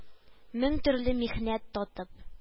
Мең төрле михнәт татып